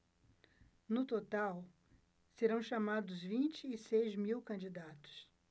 no total serão chamados vinte e seis mil candidatos